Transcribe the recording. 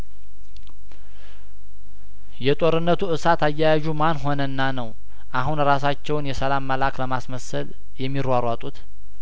የጦርነቱ እሳት አያያዡ ማን ሆንና ነው አሁን እራሳቸውን የሰላም መላክ ለማስመሰል የሚሯሯጡት